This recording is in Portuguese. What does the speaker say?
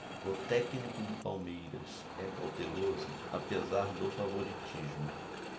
o técnico do palmeiras é cauteloso apesar do favoritismo